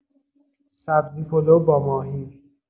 سبزی‌پلو با ماهی.